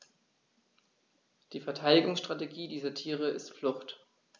Die Verteidigungsstrategie dieser Tiere ist Flucht.